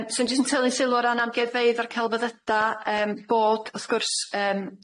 Yym so jys yn tynnu sylw o ran amgueddfeydd a'r celfyddyda yym bod wrth gwrs yym